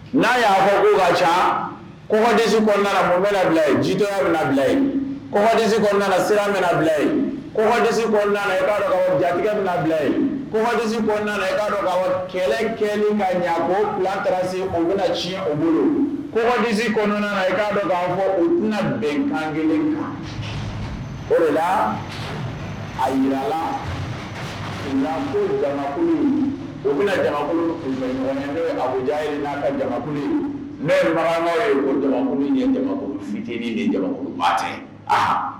N'a y'a fɔ'u ka ca kodasi kɔnɔna ko bɛbila ji dɔ bɛbilaye kodasi sira bɛbila kodasi i b'a jabilaye kodisi i b'a dɔn'a kɛlɛ kɛ ni' ɲa ko taara se u bɛna ci o bolo kodisi kɔnɔnaɔn ia dɔn'a fɔ u tɛna bɛnkan kelen ma o la a jiralakulu nakulu ne ye ko ye jamakolon fitiriinin ye